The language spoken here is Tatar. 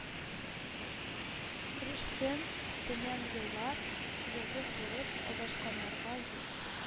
Ирешсен, төмән еллар, йолдыз булып, адашканнарга юл